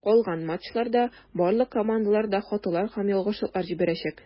Калган матчларда барлык командалар да хаталар һәм ялгышлыклар җибәрәчәк.